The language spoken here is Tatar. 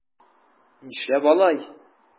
Нишләп алай?